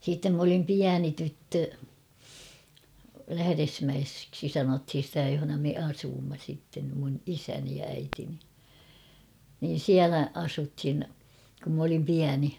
sitten minä olin pieni tyttö Lähdesmäeksi sanottiin sitä jossa me asuimme sitten minun isäni ja äitini niin siellä asuttiin kun minä olin pieni